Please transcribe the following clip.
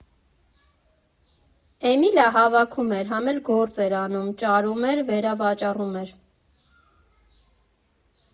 Էմիլը հավաքում էր, համ էլ գործ էր անում՝ ճարում էր, վերավաճառում էր։